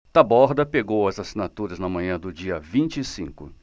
taborda pegou as assinaturas na manhã do dia vinte e cinco